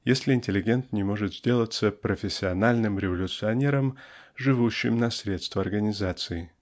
если интеллигент не может сделаться "профессиональным революционером" живущим на средства-организации.